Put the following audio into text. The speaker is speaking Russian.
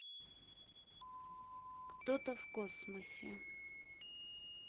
кто то в космосе